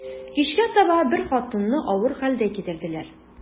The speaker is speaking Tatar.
Кичкә таба бер хатынны авыр хәлдә китерделәр.